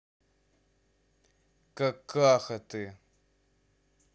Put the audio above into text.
какаха ты